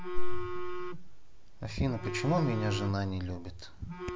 афина почему меня жена не любит